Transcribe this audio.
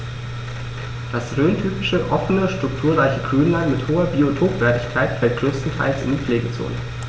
Das rhöntypische offene, strukturreiche Grünland mit hoher Biotopwertigkeit fällt größtenteils in die Pflegezone.